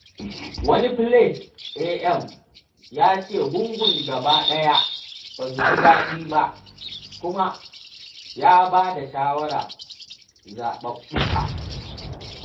Wani Plaid AM ya ce gungun gaba ɗaya “ba su ji daɗi ba” kuma ya ba da shawarar zaɓuɓɓuka.